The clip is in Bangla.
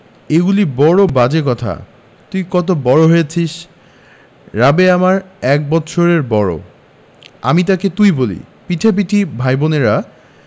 এগুলি বড় বাজে কথা তুই কত বড় হয়েছিস রাবেয়া আমার এক বৎসরের বড় আমি তাকে তুই বলি পিঠাপিঠি ভাই বোনের